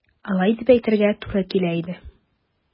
Алай дип әйтергә туры килә инде.